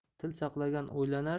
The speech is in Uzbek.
til saqlagan o'ylanar